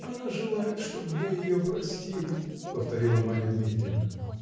-- Она желает, чтобы вы ее простили, -- повторила Марья Дмитриевна.